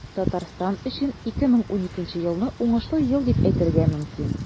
Татарстан өчен 2012 елны уңышлы ел дип әйтергә мөмкин.